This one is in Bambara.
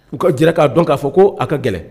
U ka g k'a dɔn k'a fɔ ko a ka gɛlɛn